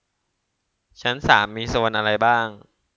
ชั้นสามมีโซนอะไรบ้าง